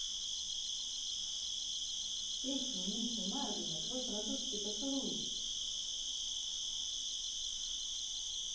песня миши марвина твой французский поцелуй